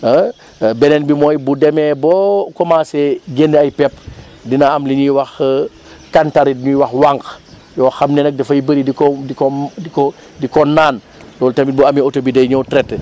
beneen bi mooy bu demee bo commencé génne ay pepp dina am li ñuy wax cantharide bi ñuy wax wànq yoo xam ne nag dafay bëri di ko di ko di ko di ko naan loolu tamit bu amee oto bi day ñëw traité